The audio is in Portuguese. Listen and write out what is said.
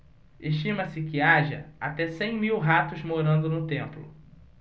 estima-se que haja até cem mil ratos morando no templo